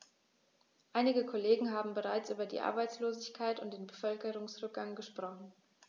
Einige Kollegen haben bereits über die Arbeitslosigkeit und den Bevölkerungsrückgang gesprochen.